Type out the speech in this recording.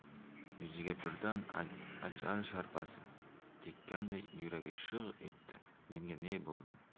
yuziga birdan ajal sharpasi tekkanday yuragi shig' etdi menga ne bo'ldi